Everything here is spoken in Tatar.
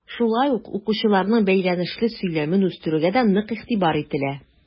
Шулай ук укучыларның бәйләнешле сөйләмен үстерүгә дә нык игътибар ителә.